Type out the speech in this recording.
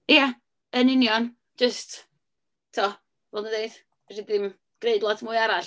Ia, yn union. Jyst, tibod, fel dwi'n ddweud, fedri di'm gwneud lot mwy arall.